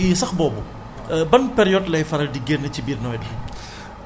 d' acoord léegi sax boobu ban période lay faral di génn ci biir nawet bi